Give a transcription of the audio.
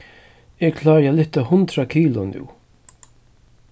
eg klári at lyfta hundrað kilo nú